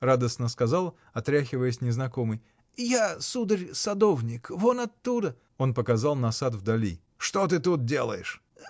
— радостно сказал, отряхиваясь, незнакомый. — Я, сударь, садовник! Вон оттуда. Он показал на сад вдали. — Что ты тут делаешь?